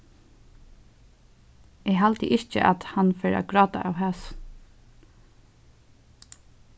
eg haldi ikki at hann fer at gráta av hasum